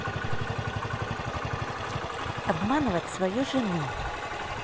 обманывать свою жену